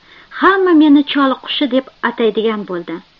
hamma meni choliqushi deb ataydigan bo'ldi